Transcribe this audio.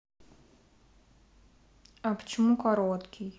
а почему короткий